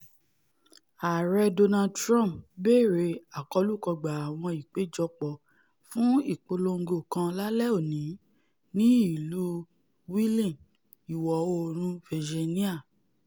Ààrẹ̵ Donald Trump ńbẹ̀rẹ̀ àkọlùkọgbà àwọn ìpéjọpọ̀ fún ìpolongo kan lálẹ́ òní ní ilù Wheeling, Ìwọ̀-oòrùn Virginia.